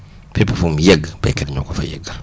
fépp fu mu yegg béykat yi ñoo ko fa yeggal